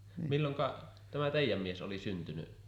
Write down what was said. milloin tämä teidän mies oli syntynyt